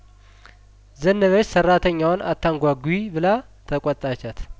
ዘነበች ሰራተኛዋን አታንጓጉ ብላ ተቆጣቻት